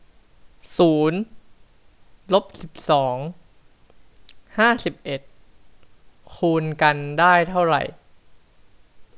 ศูนย์ลบสิบสองห้าสิบเอ็ดคูณกันได้เท่าไหร่